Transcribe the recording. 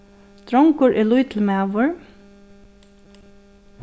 drongur er lítil maður